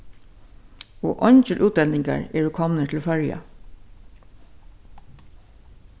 og eingir útlendingar eru komnir til føroya